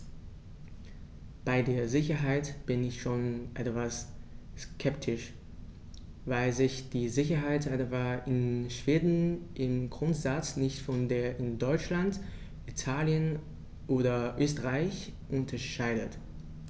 Bei der Sicherheit bin ich schon etwas skeptisch, weil sich die Sicherheit etwa in Schweden im Grundsatz nicht von der in Deutschland, Italien oder Österreich unterscheidet.